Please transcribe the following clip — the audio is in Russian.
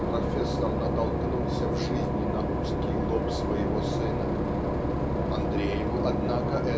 что профессор натолкнулся в жизни на узкий лоб своего сына. Андрееву однако